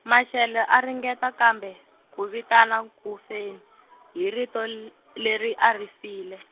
Mashele a ringeta kambe ku vitana Kufeni, hi rito l-, leri a ri file.